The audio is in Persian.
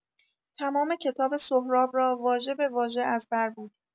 تمام کتاب سهراب را واژه به واژه از بر بود.